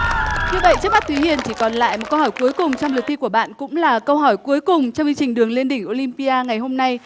như vậy trước mắt thúy hiền chỉ còn lại một câu hỏi cuối cùng trong lượt thi của bạn cũng là câu hỏi cuối cùng trong chương trình đường lên đỉnh ô lim pi a ngày hôm nay